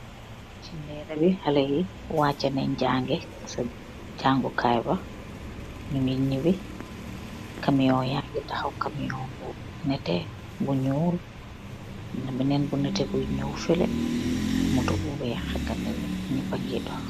See meda mi haleh Wacha nen jage se jaagu Kay ba nuge nyibi, camiyu yagi tahaw camiyu bu neete , bu njol amna benen bu neete buy nyaw feele, motor bu weeh haga nele nyepa ge doh.